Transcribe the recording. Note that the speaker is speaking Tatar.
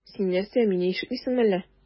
Син нәрсә, мине ишетмисеңме әллә?